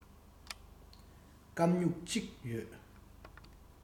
སྐམ སྨྱུག གཅིག ཡོད